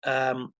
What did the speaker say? yym